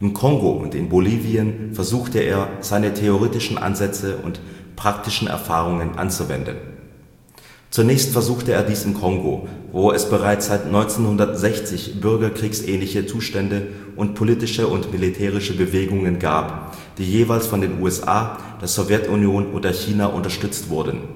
Kongo und in Bolivien versuchte er, seine theoretischen Ansätze und praktischen Erfahrungen anzuwenden. Zunächst versucht er dies im Kongo, wo es bereits seit 1960 bürgerkriegsähnliche Zustände und politische und militärische Bewegungen gab, die jeweils von den USA, der Sowjetunion oder China unterstützt wurden